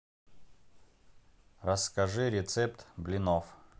расскажи рецепт блинов